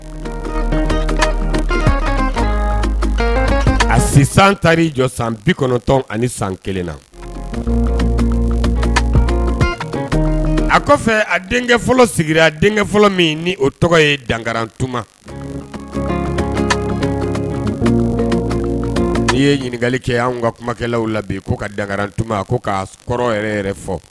A sisan taara jɔ san bi kɔnɔntɔn ani san kelen na a kɔfɛ a denkɛ fɔlɔ sigira denkɛ fɔlɔ min ni o tɔgɔ ye dankararantuma ni'i ye ɲininkali kɛ y' ka kumakɛlaw labɛn ka danrarantuma k'a kɔrɔ yɛrɛ yɛrɛ fɔ